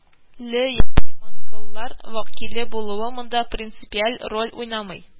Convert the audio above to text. Ле яки монголлар вәкиле булуы монда принципиаль роль уйнамый)